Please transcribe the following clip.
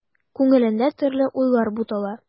Күңелендә төрле уйлар бутала.